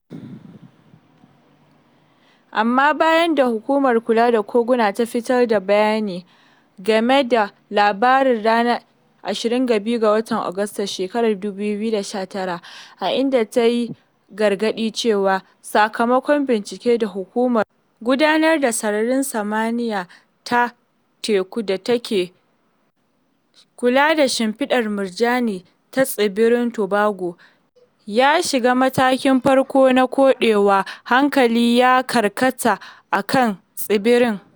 Amma bayan da Hukumar Kula da Koguna ta fitar da bayani ga manema labarai ranar 22 ga Agusta, 2019 a inda ta yi gargaɗi cewa - sakamakon bincike da Hukumar Gudanar da Sararin Samaniya da Teku da ke Kula da Shimfiɗar Murjani ta tsibirin Tobago ya shiga "Matakin Farko na Koɗewa", hankali ya karkata a kan tsibirin.